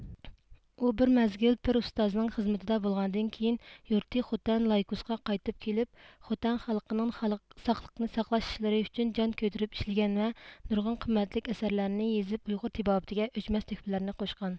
ئۇ بىر مەزگىل پىر ئۇستازنىڭ خىزمىتىدە بولغاندىن كېيىن يۇرتى خوتەن لايكۇسغا قايتىپ كېلىپ خوتەن خەلقىنىڭ ساقلىقنى ساقلاش ئىشلىرى ئۈچۈن جان كۆيدۈرۈپ ئىشلىگەن ۋە نۇرغۇن قىممەتلىك ئەسەرلەرنى يېزىپ ئۇيغۇر تېبابىتىگە ئۆچمەس تۆھپىلەرنى قوشقان